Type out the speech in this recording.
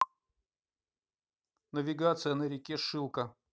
навигация на реке шилка